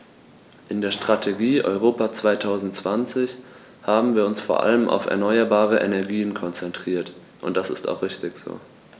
In der Strategie Europa 2020 haben wir uns vor allem auf erneuerbare Energien konzentriert, und das ist auch richtig so.